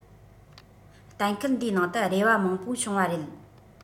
གཏན འཁེལ འདིའི ནང དུ རེ བ མང པོ བྱུང བ རེད